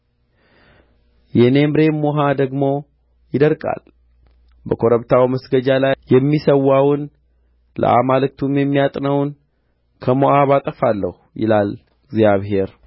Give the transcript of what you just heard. የኔምሬም ውኃ ደግሞ ይደርቃል በኮረብታው መስገጃ ላይ የሚሠዋውን ለአማልክቱም የሚያጥነውን ከሞዓብ አጠፋለሁ ይላል እግዚአብሔር